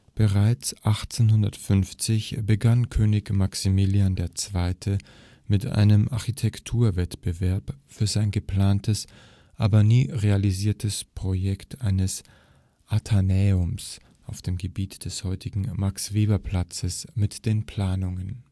Bereits 1850 begann König Maximilian II. mit einem Architektenwettbewerb für sein geplantes, aber nie realisiertes Projekt eines Athenäums auf dem Gebiet des heutigen Max-Weber-Platzes mit den Planungen